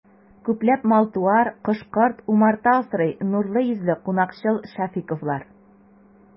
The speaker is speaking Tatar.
Күпләп мал-туар, кош-корт, умарта асрый нурлы йөзле, кунакчыл шәфыйковлар.